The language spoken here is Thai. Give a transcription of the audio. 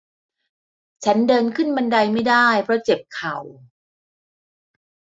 ฉันเดินขึ้นบันไดไม่ได้เพราะเจ็บเข่า